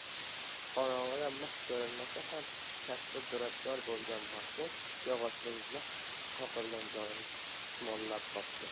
qorong'ida mix ko'rinmasa ham kasbi duradgor bo'lgan mahmud yog'ochning mix qoqilgan joyini tusmollab topdi